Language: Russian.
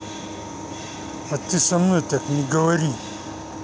а ты со мной так не говори